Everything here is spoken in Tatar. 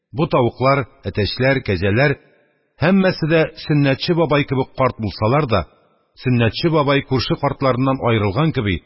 Бу тавыклар, әтәчләр, кәҗәләр – һәммәсе дә Сөннәтче бабай кеби карт булсалар да, Сөннәтче бабай күрше картларыннан аерылган кеби,